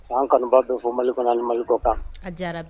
An kanuba bɛ fɔ mali kɔnɔ an ni mali kan